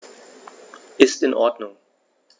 Ist in Ordnung.